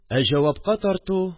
Ә җавапка тарту